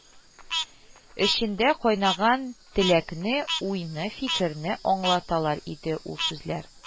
Эчендә кайнаган теләкне, уйны, фикерне аңлаталар иде ул сүзләр